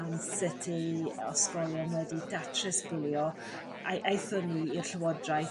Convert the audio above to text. am sut i ysgolion wedi datrys bwlio aethon ni i'r Llywodraeth